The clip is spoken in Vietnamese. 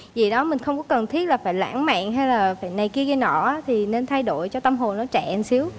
gì đó mình không có cần thiết là phải lãng mạn hay là phải này kia kia nọ thì nên thay đổi cho tâm hồn trẻ xíu